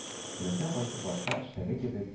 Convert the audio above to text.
Теләсә кайсы башка эштәге кебек